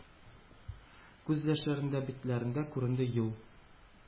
Күз яшьләрдән битләрендә күренде юл;